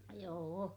joo